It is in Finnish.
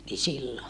niin silloin